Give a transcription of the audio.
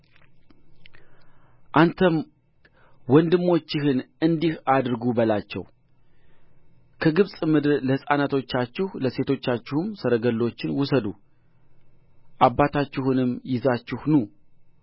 አንተም ወንድሞችህን እንዲህ አድርጉ በላቸው ከግብፅ ምድር ለሕፃናቶቻችሁ ለሴቶቻችሁም ሰረገሎችን ውሰዱ አባታችሁንም ይዛችሁ ኑ